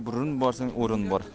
burun borsang o'rin bor